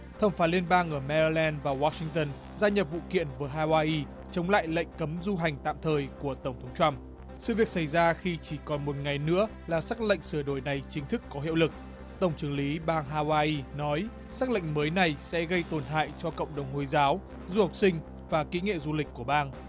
thẩm phán liên bang ở me len và oa sinh tơn gia nhập vụ kiện của ha goai i chống lại lệnh cấm du hành tạm thời của tổng thống troăm sự việc xảy ra khi chỉ còn một ngày nữa là sắc lệnh sửa đổi này chính thức có hiệu lực tổng chưởng lý bang ha goai i nói sắc lệnh mới này sẽ gây tổn hại cho cộng đồng hồi giáo du học sinh và kỹ nghệ du lịch của bang